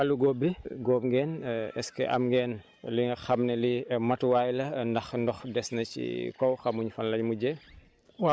ci wàllu góob bi góob ngeen est ce am ngeen li nga xam ne lii matuwaay la ndax ndox des na ci kaw xamuñu fan lay mujjee